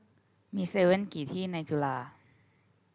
มีเซเว่นกี่ที่ในจุฬา